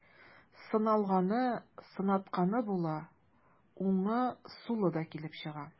Сыналганы, сынатканы була, уңы, сулы да килеп чыга.